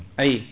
ayii